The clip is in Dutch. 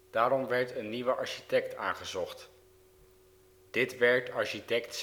Daarom werd een nieuwe architect aangezocht. Dit werd architect